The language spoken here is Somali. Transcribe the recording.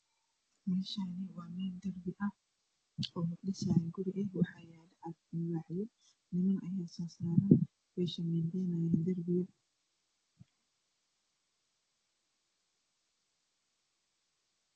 Meeshaani waa meel darbi oo la dhisaayo guri waxa yaalo alwaaxyo niman yaa saar saaran way shamiidaynayaa darbiga